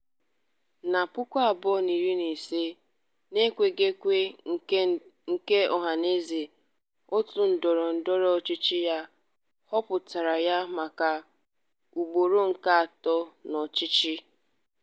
Na 2015, n'ekweghị ekwe nke ọhanaeze, òtù ndọrọndọrọ ọchịchị ya họpụtara ya maka ugboro nke atọ n'ọchịchị.